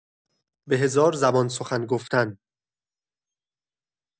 به هزار زبان سخن گفتن